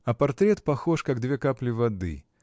А портрет похож, как две капли воды.